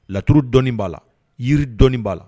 Laturu dɔɔnin b'a la yiri dɔni b'a la